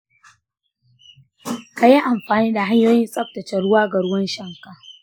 kayi amfani da hanyoyin tsaftace ruwa ga ruwan shan ka.